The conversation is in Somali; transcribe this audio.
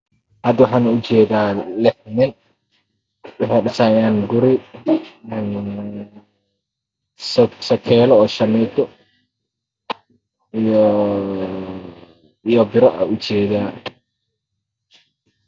Waxaan ujeda laxnin waxey dhisayan guri waxaa kalo mesh yalo shamido iyo biraar